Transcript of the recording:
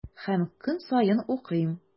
Һәм көн саен укыйм.